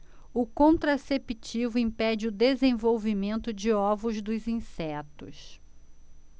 o contraceptivo impede o desenvolvimento de ovos dos insetos